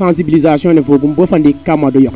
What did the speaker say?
sensiblisation ne fogum bofa ndiik ka maado yoqa